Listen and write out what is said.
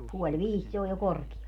puoli viisi se on jo korkealla